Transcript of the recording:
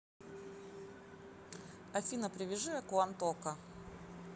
афина привяжи аккаунт okko